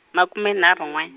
makume nharhu n'we.